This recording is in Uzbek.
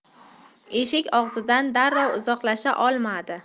eshik og'zidan darrov uzoqlasha olmadi